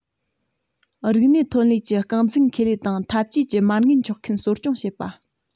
རིག གནས ཐོན ལས ཀྱི རྐང འཛིན ཁེ ལས དང འཐབ ཇུས ཀྱི མ དངུལ འཇོག མཁན གསོ སྐྱོང བྱེད པ